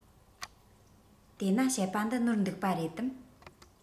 དེ ན བཤད པ འདི ནོར འདུག པ རེད དམ